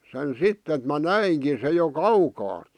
sen sitten että minä näinkin sen jo kaukaa